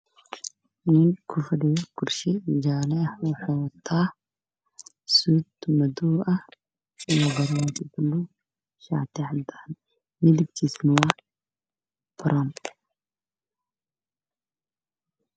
Nin ku fadhiya kursi jaale ah